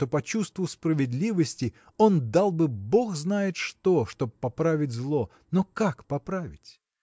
то по чувству справедливости он дал бы бог знает что чтоб поправить зло но как поправить?